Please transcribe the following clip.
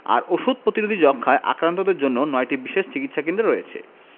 আর ওষুধ প্রতিরোধী যক্ষ্মায় আক্রান্তদের জন্য ৯টি বিশেষ চিকিৎসাকেন্দ্র রয়েছে